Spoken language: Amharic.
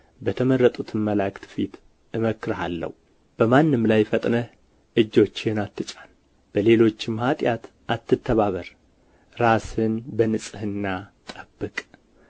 በተመረጡትም መላእክት ፊት እመክርሃለሁ በማንም ላይ ፈጥነህ እጆችህን አትጫን በሌሎችም ኃጢአት አትተባበር ራስህን በንጽህና ጠብቅ